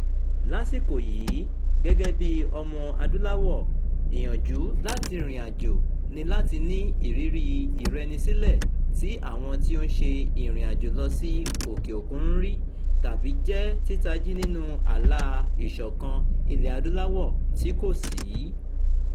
Lásìkò yìí, gẹ́gẹ́ bíi Ọmọ-adúláwọ̀, ìyànjú láti rìnrìnàjò ni láti ní ìrírí ìrẹnisílẹ̀ tí àwọn tí ó ń se ìrìnàjò lọ sí òkè-òkun ń rí — tàbí jẹ́ títají nínú àlà ìsọ̀kan Ilẹ̀-adúláwọ̀ tí kò sí.